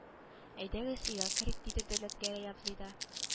Әйдәгез өйгә керик диде дәүләтгәрәй абзый да